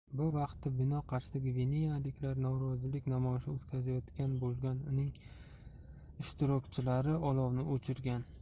bu vaqtda bino qarshisida gvineyaliklar norozilik namoyishi o'tkazayotgan bo'lgan uning ishtirokchilari olovni o'chirgan